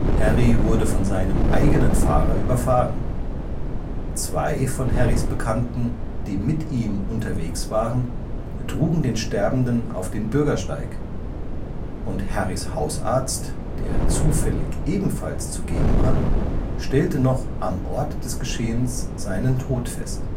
Harry wurde von seinem eigenen Fahrer überfahren. Zwei von Harrys Bekannten, die mit ihm unterwegs waren, trugen den Sterbenden auf den Bürgersteig, und Harrys Hausarzt, der zufällig ebenfalls zugegen war, stellte noch am Ort des Geschehens seinen Tod fest